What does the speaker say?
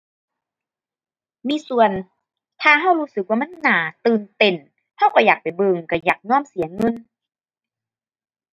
มีส่วน ถ้าเรารู้สึกว่ามันน่าตื่นเต้น เราเราอยากไปเบิ่ง เราอยากยอมเสียเงิน